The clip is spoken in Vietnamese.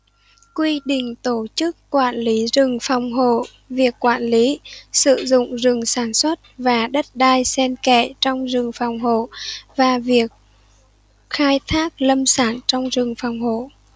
quy định tổ chức quản lý rừng phòng hộ việc quản lý sử dụng rừng sản xuất và đất đai xen kẽ trong rừng phòng hộ và việc khai thác lâm sản trong rừng phòng hộ